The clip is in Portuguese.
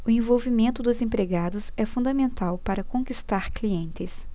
o envolvimento dos empregados é fundamental para conquistar clientes